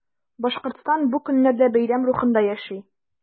Башкортстан бу көннәрдә бәйрәм рухында яши.